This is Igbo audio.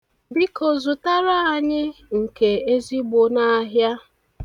Biko, zụtara anyị nke ezigbo n'ahịa.